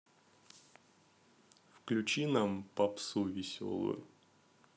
включи нам попсу веселую